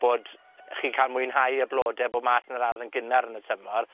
bod chi'n ca'l mwynhau y blode bob math yn yr ardd yn gynnar yn y tymor.